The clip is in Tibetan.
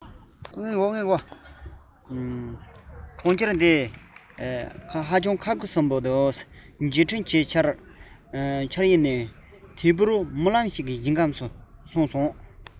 དབེན གནས གྲོང ཁྱེར འདིར རྗེས དྲན བྱེད འཆར ཡན ནས དལ བུར རྨི ལམ གྱི ཞིང ཁམས སུ ལྷུང